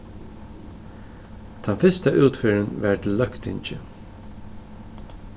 tann fyrsta útferðin var til løgtingið